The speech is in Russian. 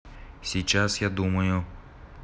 сейчас я думаю